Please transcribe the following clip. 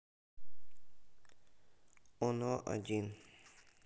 оно один